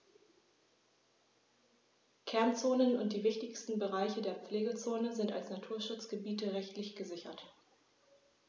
Kernzonen und die wichtigsten Bereiche der Pflegezone sind als Naturschutzgebiete rechtlich gesichert.